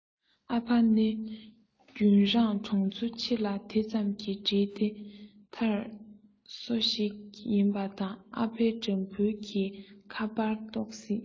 ཨ ཕ ནི རྒྱུན རང གྲོང ཚོ ཕྱི ལ དེ ཙམ གྱི འབྲེལ དེ དར སོ ཞིག ཡིན པ ནི ཨ ཕ དགྲ འདུལ གི ག པར རྟོག སྲིད